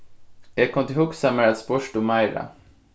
eg kundi hugsað mær at spurt um meira